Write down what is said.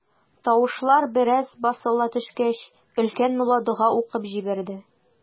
Тавышлар бераз басыла төшкәч, өлкән мулла дога укып җибәрде.